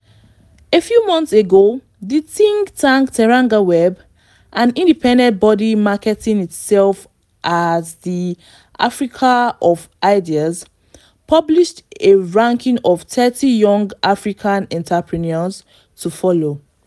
A few months ago, the think-tank Terangaweb, an independent body marketing itself as the “Africa of Ideas”, published a ranking of 30 young African entrepreneurs to follow.